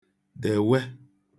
-dèwe